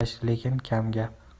mehnatkash lekin kamgap